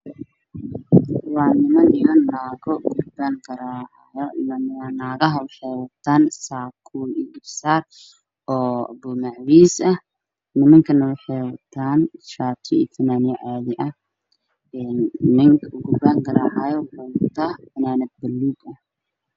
Waa niman iyo naago oo durbaan garaacaayo naagaha waxay wataan garbasaaro iyo saakooyin macawis ah, nimanku waxay wataan shaatiyo iyo surwaalo caadi ah, ninka durbaanka garaacayo waxuu wataa fanaanad buluug ah.